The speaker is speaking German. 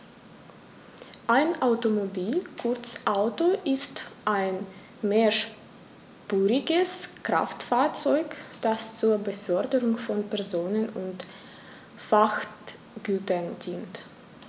Ein Automobil, kurz Auto, ist ein mehrspuriges Kraftfahrzeug, das zur Beförderung von Personen und Frachtgütern dient.